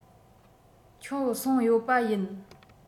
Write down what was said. ཁྱོད སོང ཡོད པ ཡིན